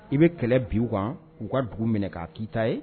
I bɛ kɛlɛ bi u kan uu ka dugu minɛ k'a'iyita ye